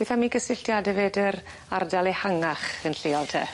Beth am 'i gysylltiade fe 'dy'r ardal ehangach yn lleol te?